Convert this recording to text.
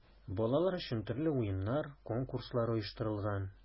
Балалар өчен төрле уеннар, конкурслар оештырылган.